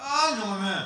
Aa ɲ mɛn